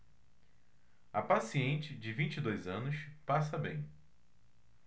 a paciente de vinte e dois anos passa bem